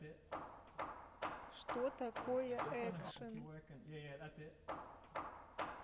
что такое action